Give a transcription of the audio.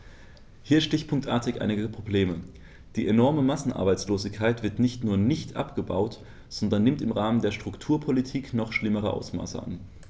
Hier stichpunktartig einige Probleme: Die enorme Massenarbeitslosigkeit wird nicht nur nicht abgebaut, sondern nimmt im Rahmen der Strukturpolitik noch schlimmere Ausmaße an.